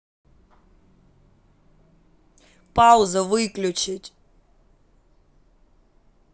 пауза выключить